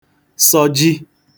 sọji